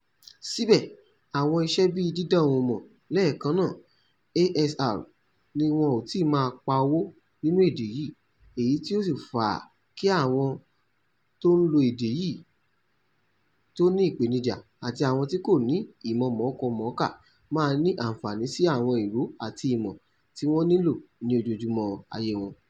Síbẹ̀ àwọn iṣẹ́ bíì dída ohùn mọ̀ lẹ́ẹ̀kannáà (ASR) ni wọ̀n ò tìí fi máá pa owó nínú èdè yìí, èyí tí ó sì ń fàá kí àwọn tó ń lo èdè yìí tó ni ìpenìjà àti àwọn tí kò ní ìmọ̀ mọ̀ọ́kọ-mọ̀ọ́ka mà ní àńfààní sí àwọn ìró àtí ìmọ̀ tí wọ́n nílò ní ojoójúmọ́ ayé wọn.